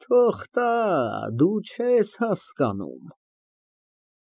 Թող տա, դու չես հասկանում։